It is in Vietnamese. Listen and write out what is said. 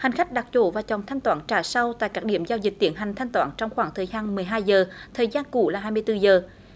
hành khách đặt chỗ và chọn thanh toán trả sau tại các điểm giao dịch tiến hành thanh toán trong khoảng thời gian mười hai giờ thời gian cũ là hai mươi tư giờ